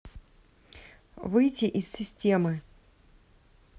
выйти из системы